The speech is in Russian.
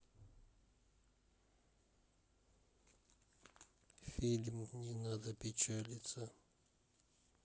фильм не надо печалиться